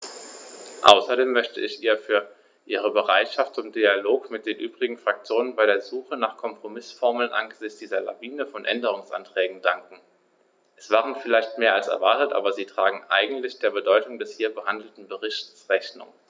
Außerdem möchte ich ihr für ihre Bereitschaft zum Dialog mit den übrigen Fraktionen bei der Suche nach Kompromißformeln angesichts dieser Lawine von Änderungsanträgen danken; es waren vielleicht mehr als erwartet, aber sie tragen eigentlich der Bedeutung des hier behandelten Berichts Rechnung.